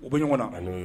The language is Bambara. U bɛ ɲɔgɔn na